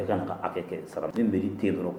A ka hakɛ kɛ sara n nba tɛ dɔrɔn